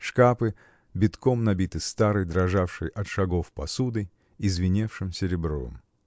Шкапы битком набиты старой, дрожавшей от шагов посудой и звеневшим серебром.